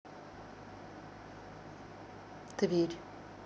тверь